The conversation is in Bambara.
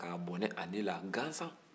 k'a bɔnɛ a nin na gansan